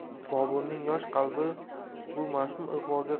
boburning yosh qalbi bu mashum ig'voga